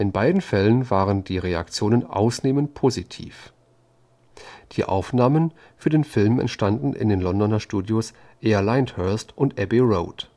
beiden Fällen waren die Reaktionen ausnehmend positiv. Die Aufnahmen für den Film entstanden in den Londoner Studios Air Lyndhurst und Abbey Road